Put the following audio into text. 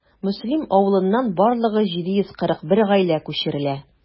Мөслим авылыннан барлыгы 741 гаилә күчерелә.